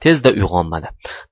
tezda uyg'onmadi